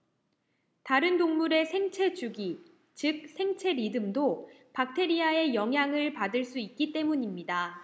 다른 동물의 생체 주기 즉 생체 리듬도 박테리아의 영향을 받을 수 있기 때문입니다